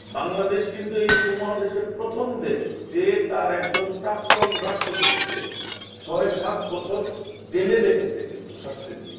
বাংলাদেশ কিন্তু এই উপমহাদেশের প্রথম দেশ যে তার একজন প্রাক্তন রাষ্ট্রপতি কে ৬ ৭ বছর জেলে রেখেছে কিন্তু শাস্তি দিয়ে